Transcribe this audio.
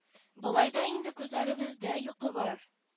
Болай да инде күзләрегездә йокы бар